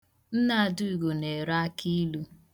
Nne Adaugo na-ere akịilu.